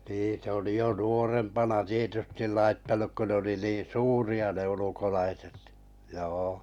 niin se oli jo nuorempana tietysti laittanut kun ne oli niin suuria ne ulkolaiset joo